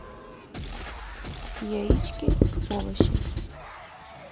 яички овощи